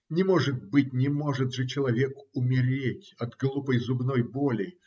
- Не может быть; не может же человек умереть от глупой зубной боли.